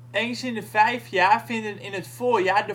Eens in de vijf jaar vinden in het voorjaar